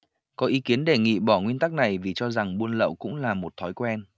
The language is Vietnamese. có ý kiến đề nghị bỏ nguyên tắc này vì cho rằng buôn lậu cũng là một thói quen